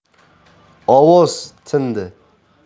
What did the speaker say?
ovoz tindi